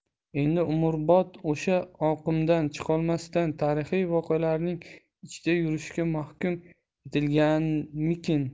endi umrbod o'sha oqimdan chiqolmasdan tarixiy voqealarning ichida yurishga mahkum etilganmikin